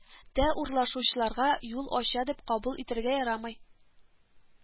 Тә урлашучыларга юл ача дип кабул итәргә ярамый